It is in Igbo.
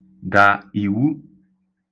dà ìwu